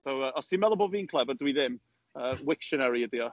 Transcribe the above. So yy, os ti'n meddwl bo fi'n clyfar, dwi ddim. Yy, Wiktionary ydy o.